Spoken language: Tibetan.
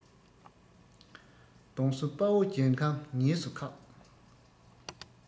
གདོང བསུ དཔའ བོ རྒྱལ ཁམས ཉེས སུ ཁག